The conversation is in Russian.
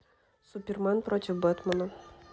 супермен против бэтмена